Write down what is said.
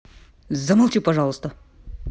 замолчи пожалуйста